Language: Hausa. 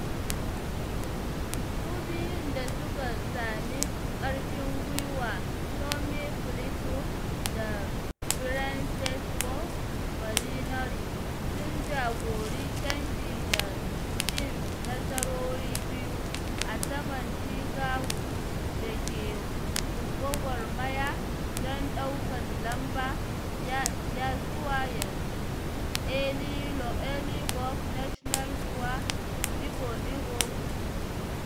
Su biyun da suka sami ƙarfin gwiwa Tommy Fleetwood da Francesco Molinari sun jagori canji da cin nasarori biyu a saman Tiger Woods da ke gwagwarmaya don ɗaukan lamba ya zuwa yanzu a Le Golf National zuwa ɗigo-ɗigo huɗu.